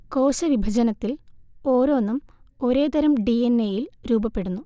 കോശവിഭജനത്തിൽ ഓരോന്നും ഒരേ തരം ഡി എൻ എയിൽ രൂപപ്പെടുന്നു